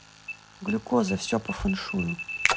глюкоза все по феншую